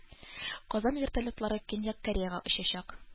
Казан вертолетлары Көньяк Кореяга очачак